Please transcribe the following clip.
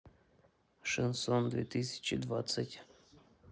шансон две тысячи двадцать